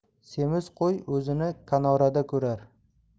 semiz qo'y o'zini kanorada ko'rar